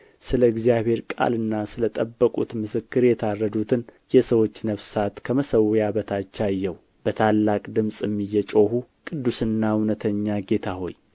ስለ እግዚአብሔር ቃልና ስለ ጠበቁት ምስክር የታረዱትን የሰዎች ነፍሳት ከመሠዊያ በታች አየሁ በታላቅ ድምፅም እየጮኹ ቅዱስና እውነተኛ ጌታ ሆይ